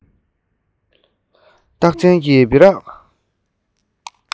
རྟགས ཅན གྱི སྦི རག